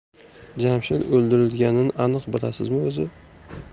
jamshid o'ldirilganini aniq bilasizmi o'zi